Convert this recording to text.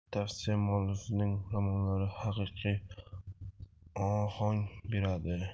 ushbu tavsif muallifning romanlariga haqiqiy ohang beradi